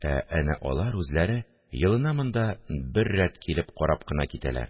Ә әнә алар үзләре елына монда бер рәт килеп карап кына китәләр